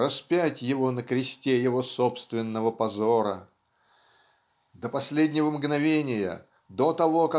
распять его на кресте его собственного позора. До последнего мгновения до того